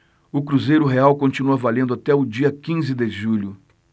o cruzeiro real continua valendo até o dia quinze de julho